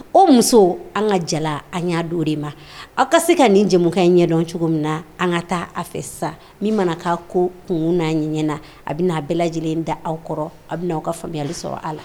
O muso an ka jala an y'a don de ma aw ka se ka nin jɛ in ɲɛdɔn cogo min na an ka taa a fɛ sa min mana' ko kun n'a ɲɛ na a bɛ a bɛɛ lajɛlen da aw kɔrɔ aw bɛ aw ka faamuya sɔrɔ aw la